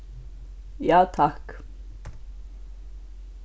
ja takk